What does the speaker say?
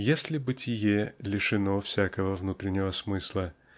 Если бытие лишено всякого внутреннего умысла